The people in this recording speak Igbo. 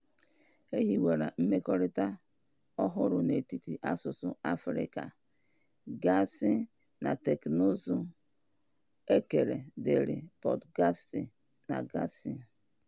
E hiwela mmekọrita ọhụrụ n'etiti asụsụ Afrịka gasị na teknụzụ, ekele diri pọdụkastị gasị.